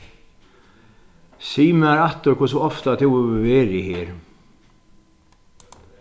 sig mær aftur hvussu ofta tú hevur verið her